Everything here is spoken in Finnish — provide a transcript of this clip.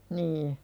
niin